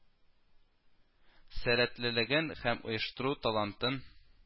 Сәләтлелеген һәм оештыру талантын